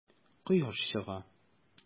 Кояш чыга.